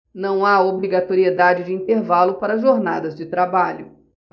não há obrigatoriedade de intervalo para jornadas de trabalho